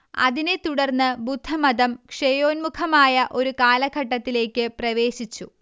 അതിനെ തുടർന്ന് ബുദ്ധമതം ക്ഷയോന്മുഖമായ ഒരു കാലഘട്ടത്തിലേക്ക് പ്രവേശിച്ചു